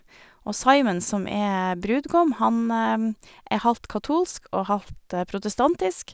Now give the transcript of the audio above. Og Simon, som er brudgom, han er halvt katolsk og halvt protestantisk.